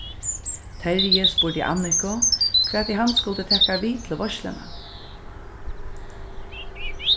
terji spurdi anniku hvat ið hann skuldi taka við til veitsluna